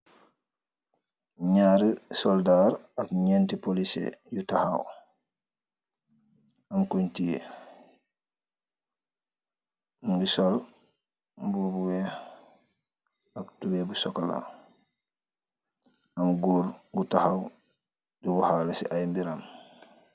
Ñaari soldaar ak ñenti polisé yu taxaw am kuñtie mungi sol mboobu bu weex ak tubeey bu sokala am guur gu taxaw di waxaala ci ay mbiram.